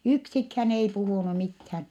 yksikään ei puhunut mitään